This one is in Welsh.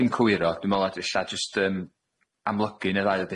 dim cywiro dwi me'wl ella jyst yym amlygu un ne' ddau o